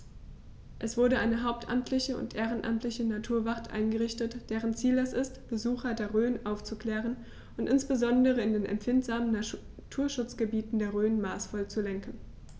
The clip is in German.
Es wurde eine hauptamtliche und ehrenamtliche Naturwacht eingerichtet, deren Ziel es ist, Besucher der Rhön aufzuklären und insbesondere in den empfindlichen Naturschutzgebieten der Rhön maßvoll zu lenken.